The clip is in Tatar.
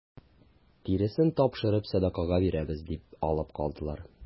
Тиресен тапшырып сәдакага бирәбез дип алып калдылар.